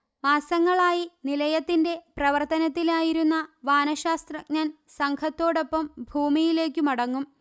മാസങ്ങളായി നിലയത്തിന്റെ പ്രവർത്തനത്തിലായിരുന്ന വാനശാസ്ത്രജ്ഞൻ സംഘത്തോടൊപ്പം ഭൂമിയിലേക്കു മടങ്ങും